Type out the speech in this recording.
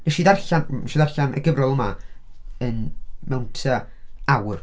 Wnes i ddarllen... mm, wnes i ddarllen y gyfrol 'ma yn... mewn tua awr.